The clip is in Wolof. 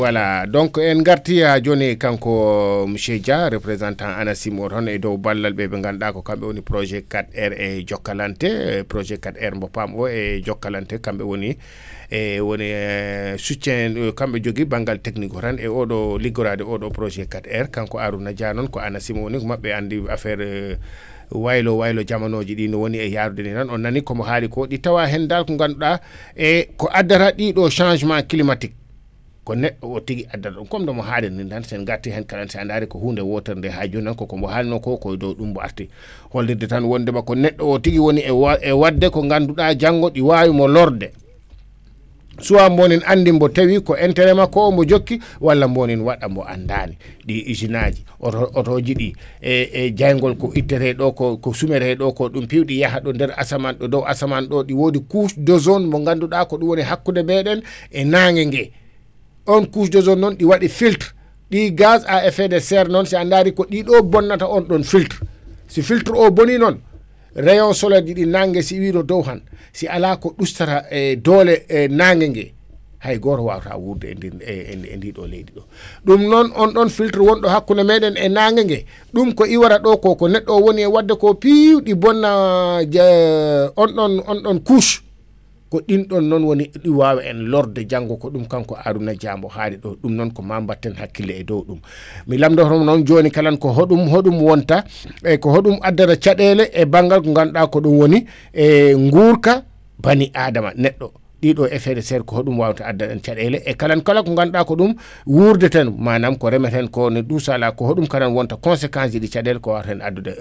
voilà donc